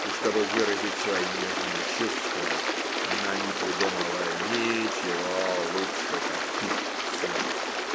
И чтобы выразить свои нежные чувства, она не придумала ничего лучше таких слов